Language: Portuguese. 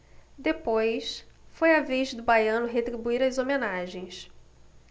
depois foi a vez do baiano retribuir as homenagens